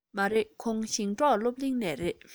མ རེད ཁོང ཞིང འབྲོག སློབ གླིང ནས རེད